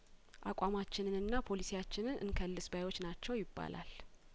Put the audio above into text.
አቋማችንና ፖሊሲ ያችንን እንከልስ ባዮች ናቸው ይባላል